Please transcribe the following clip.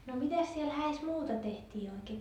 no mitäs siellä häissä muuta tehtiin oikein